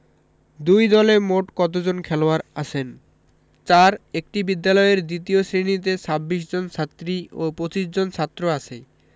দুই দলে মোট কতজন খেলোয়াড় আছেন ৪ একটি বিদ্যালয়ের দ্বিতীয় শ্রেণিতে ২৬ জন ছাত্রী ও ২৫ জন ছাত্র আছে